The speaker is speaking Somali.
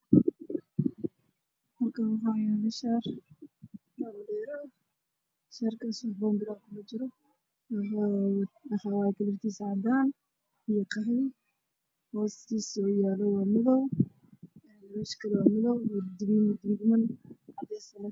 Halkan waxaa yaallo shaati cadaan ah iyo bara-baro madow ah